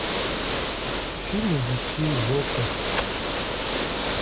фильмы ди си в окко